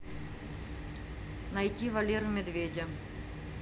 найти валеру медведя